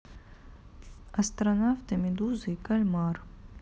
астронавты медуза и кальмар